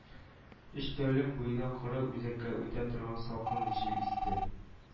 Өч тәүлек буена коры, үзәккә үтә торган салкын җил исте